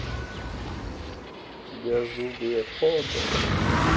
у тети зубы от холода болят